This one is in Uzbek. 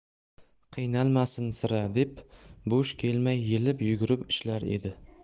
qiynalmasin sira deb bo'sh kelmay yelib yugurib ishlar edi